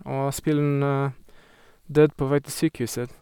Og spilleren døde på vei til sykehuset.